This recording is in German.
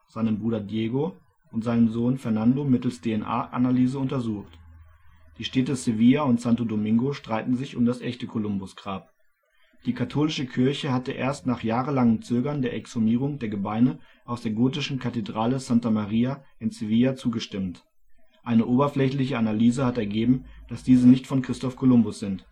seinem Bruder Diego und seinem Sohn Fernando mittels DNA-Analyse untersucht. Die Städte Sevilla und Santo Domingo streiten sich um das echte Kolumbus-Grab. Die katholische Kirche hatte erst nach jahrelangem Zögern der Exhumierung der Gebeine aus der gotischen Kathedrale Santa Maria in Sevilla zugestimmt. Eine oberflächliche Analyse hat ergeben, dass diese nicht von Christoph Kolumbus sind